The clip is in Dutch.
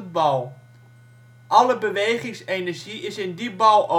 bal; alle bewegingsenergie is in die bal